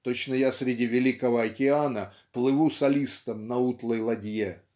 точно я среди великого океана плыву солистом на утлой ладье.